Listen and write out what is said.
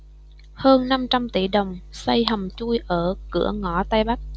hơn năm trăm tỷ đồng xây hầm chui ở cửa ngõ tây bắc